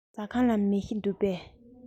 ཟ ཁང ལ མེ ཤིང འདུག གས